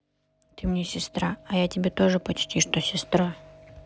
ты мне сестра а я тебе тоже почти что сестра